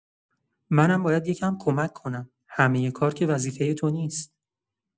منم باید یه کم‌کمک کنم، همه کار که وظیفه تو نیست.